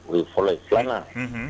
O ye fɔlɔ ye, 2 nan. Unhun!